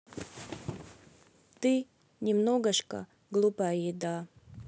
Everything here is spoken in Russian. ты немногожко глупая еда